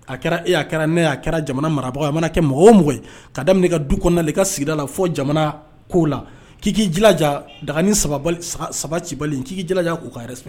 A kɛra a kɛra ne' a kɛra jamana marabagaw a mana kɛ mɔgɔ o mɔ ye ka daminɛ du kɔnɔnali ka sigi la fɔ jamana ko la k'i k'ija daga saba saba ci bali' k' jija k'u ka yɛrɛ fɛ